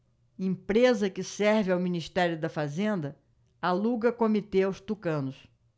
empresa que serve ao ministério da fazenda aluga comitê aos tucanos